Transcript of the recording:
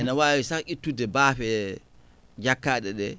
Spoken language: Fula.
ina waawi sakh ittude baafe jakkaaɗe ɗee